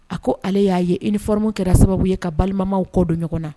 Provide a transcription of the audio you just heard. A ko ale y'a ye uniforme kɛra sababu ye ka balimamaw kɔ dɔn ɲɔgɔn na